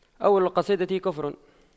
أول القصيدة كفر